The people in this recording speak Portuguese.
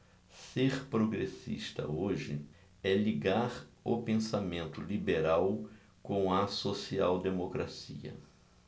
ser progressista hoje é ligar o pensamento liberal com a social democracia